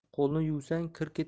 qo'lni yuvsang kir